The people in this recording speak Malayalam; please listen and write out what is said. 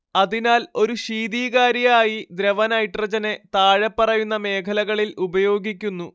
അതിനാൽ ഒരു ശീതീകാരിയായി ദ്രവനൈട്രജനെ താഴെപ്പറയുന്ന മേഖലകളിൽ ഉപയോഗിക്കുന്നു